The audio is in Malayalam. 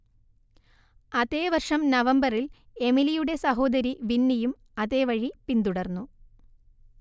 അതേ വർഷം നവംബറിൽ എമിലിയുടെ സഹോദരി വിന്നിയും അതേവഴി പിന്തുടർന്നു